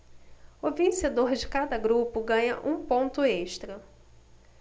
o vencedor de cada grupo ganha um ponto extra